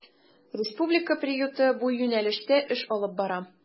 Республика приюты бу юнәлештә эш алып бара.